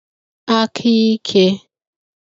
aka ikē